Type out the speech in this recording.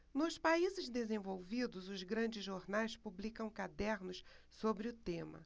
nos países desenvolvidos os grandes jornais publicam cadernos sobre o tema